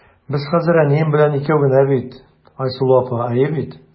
Без хәзер әнием белән икәү генә бит, Айсылу апа, әйе бит?